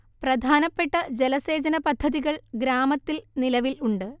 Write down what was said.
പ്രധാനപ്പെട്ട ജലസേചന പദ്ധതികൾ ഗ്രാമത്തിൽ നിലവിൽ ഉണ്ട്